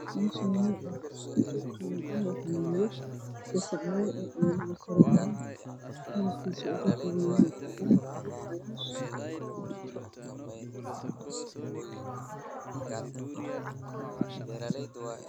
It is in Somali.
Meshaani waa armajo waxaa yalo gasacyaal oo cano oo tira badan kalarka uu ka koban yahah cadan iyo bagash